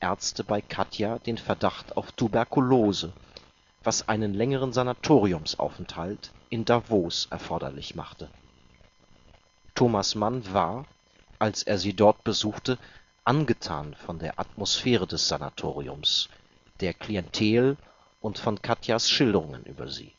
Ärzte bei Katia den Verdacht auf Tuberkulose, was einen längeren Sanatoriums-Aufenthalt in Davos erforderlich machte. Thomas Mann war, als er sie dort besuchte, angetan von der Atmosphäre des Sanatoriums, der Klientel und von Katias Schilderungen über sie